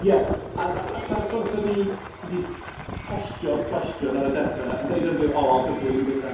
Ie, a a a person 'sa di, 'sa di postio'r cwestiwn ar y dechrau yn deud ar y diwedd, oh, I'll just leave it then.